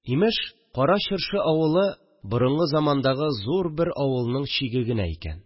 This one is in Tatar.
Имеш, Кара Чыршы авылы борынгы замандагы зур бер авылның чиге генә икән